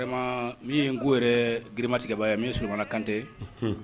Min ye n ko yɛrɛ gmatigɛba ye min suumanamana kantɛ